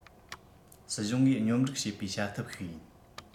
སྲིད གཞུང གིས སྙོམ སྒྲིག བྱེད པའི བྱ ཐབས ཤིག ཡིན